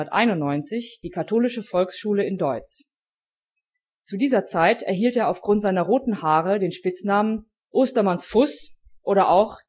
1891 die katholische Volksschule in Deutz. Zu dieser Zeit erhielt er aufgrund seiner roten Haare den Spitznamen „ Ostermanns-Fuss “oder auch